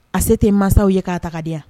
A se tɛ masaw ye k'a ta taga di yan